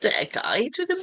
...degau dwi ddim!